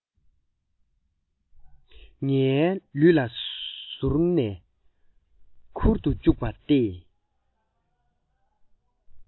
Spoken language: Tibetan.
ངའི ལུས ལ གཟུར ནས ཁུར ཏུ བཅུག པ དང